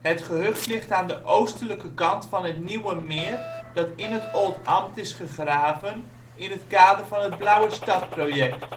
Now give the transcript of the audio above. Het gehucht ligt aan de oostelijke kant van het nieuwe meer dat in het Oldambt is gegraven in het kader van het Blauwestad-project